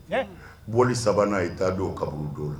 Boli 3 nan ni taa don kaburudon na.